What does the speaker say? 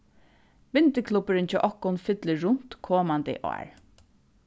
bindiklubburin hjá okkum fyllir runt komandi ár